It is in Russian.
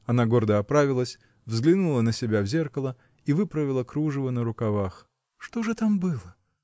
Она гордо оправилась, взглянула на себя в зеркало и выправила кружево на рукавах. — Что же там было?